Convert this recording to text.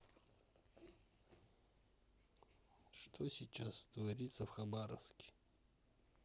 что сейчас творится в хабаровске